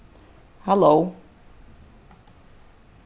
halló